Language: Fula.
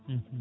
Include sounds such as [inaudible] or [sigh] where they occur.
[hesitation] [hesitation]